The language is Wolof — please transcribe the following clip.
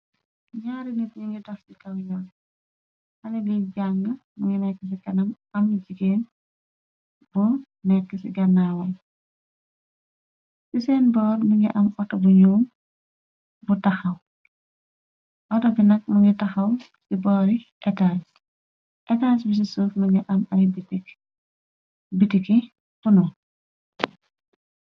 Naaru nit ñi ngi dax ci kaw yooy aleli jàng mu ngi nekk ci kanam am jigeen bu nekk ci gànnaway ci seen boor ningi am auto bu ñuum bu taxaw ato bi nak mu ngi taxaw ci boori étars étars bi ci suuf ni ngi am aribitik bitiki punu.